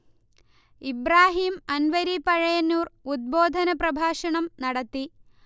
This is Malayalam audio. ഇബ്രാഹിം അൻവരി പഴയന്നൂർ ഉദ്ബോധന പ്രഭാഷണം നടത്തി